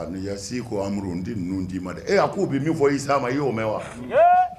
Am yasiihu amrun ko nt'i na ninnu t'i ma dɛ, k'u bɛ min fɔ''a Musa i y'o mɛn wa